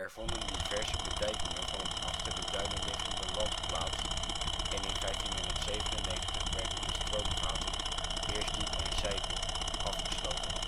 vonden diverse bedijkingen van het achter de duinen liggende land plaats, en in 1597 werden de stroomgaten Heersdiep en Zijpe afgesloten